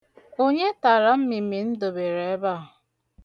Onye tara mmịmị m dobere a?